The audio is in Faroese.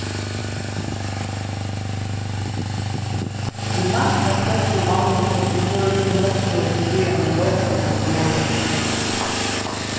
vit nærkast størstu vanlukkuni í føroysku náttúruni síðani rottan kom til norðoyggjar